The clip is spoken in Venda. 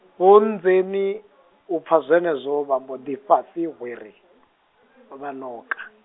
Vho Nnzeni, u pfa zwenezwo vha mbo ḓi fhasi hwiri, vha vha ṋoka.